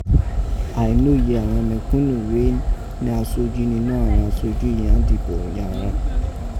Àìnóye àghan mẹ̀kúnù rèé éè ne asojú ninó àghan asojú yìí án dìbò yàn rin.